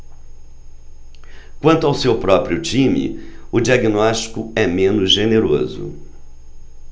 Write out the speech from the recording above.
quanto ao seu próprio time o diagnóstico é menos generoso